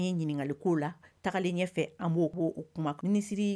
N ye ɲininkali ko la tagalen ɲɛfɛ an b' ko o kumasiri